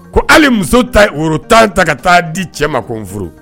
Ko hali muso tɛ woro tan ta ka taa di cɛ ma ko n furu.